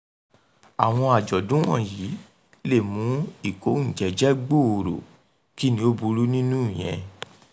Àwọn àjọ̀dún wọ̀nyí lè mú ìkóúnjẹjẹ gbòòrò, kí ni ó burú nínú ìyẹn?